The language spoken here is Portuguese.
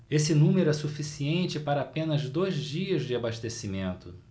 esse número é suficiente para apenas dois dias de abastecimento